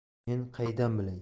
men qaydan bilay